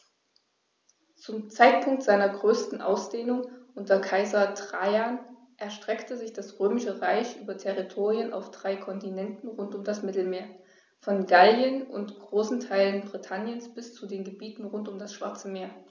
Zum Zeitpunkt seiner größten Ausdehnung unter Kaiser Trajan erstreckte sich das Römische Reich über Territorien auf drei Kontinenten rund um das Mittelmeer: Von Gallien und großen Teilen Britanniens bis zu den Gebieten rund um das Schwarze Meer.